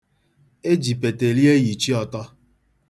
E ji peteli eyichi ọtọ.